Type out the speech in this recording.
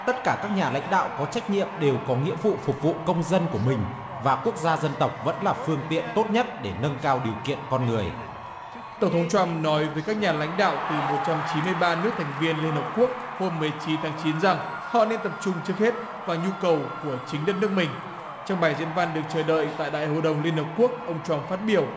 tất cả các nhà lãnh đạo có trách nhiệm đều có nghĩa vụ phục vụ công dân của mình và quốc gia dân tộc vẫn là phương tiện tốt nhất để nâng cao điều kiện con người tổng thống trăm nói với các nhà lãnh đạo từ một trăm chín mươi ba nước thành viên liên hiệp quốc hôm mười chín tháng chín rằng họ nên tập trung trước hết và nhu cầu của chính đất nước mình trong bài diễn văn được chờ đợi tại đại hội đồng liên hiệp quốc ông trăm phát biểu